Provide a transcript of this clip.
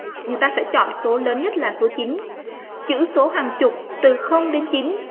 người ta sẽ chọn số lớn nhất là số chữ số hàng chục từ đến